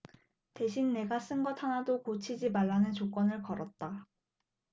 대신 내가 쓴 것 하나도 고치지 말라는 조건을 걸었다